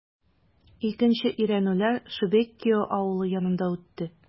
Икенче өйрәнүләр Шебекиио авылы янында үтте.